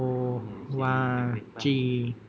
โกวาจี